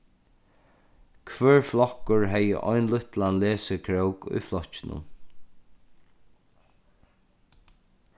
hvør flokkur hevði ein lítlan lesikrók í flokkinum